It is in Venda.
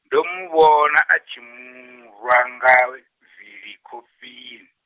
ndo muvhona a tshi murwa nga vili khofheni.